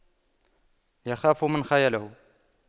يخاف من خياله